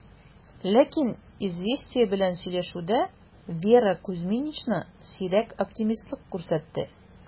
Ләкин "Известия" белән сөйләшүдә Вера Кузьминична сирәк оптимистлык күрсәтте: